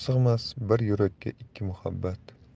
sig'mas bir yurakka ikki muhabbat